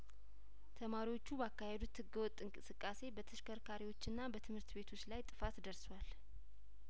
ተማሪዎቹ ባካሄዱት ህገወጥ እንቅስቃሴ በተሽከርካሪዎችና በትምህርት ቤቶች ላይጥፋት ደርሷል